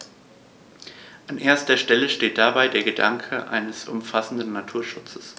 An erster Stelle steht dabei der Gedanke eines umfassenden Naturschutzes.